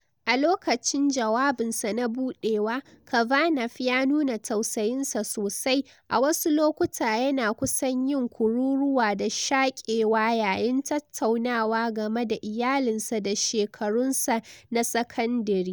A lokacin jawabinsa na budewa, Kavanaugh ya nuna tausayin sa sosai, a wasu lokuta yana kusan yin kururuwa da shakewa yayin tattaunawa game da iyalinsa da shekarun sa na sakandare.